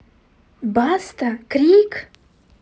баста крик